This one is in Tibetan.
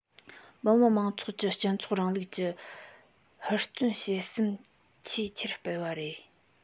མི དམངས མང ཚོགས ཀྱི སྤྱི ཚོགས རིང ལུགས ཀྱི ཧུར བརྩོན བྱེད སེམས ཆེས ཆེར འཕེལ བ རེད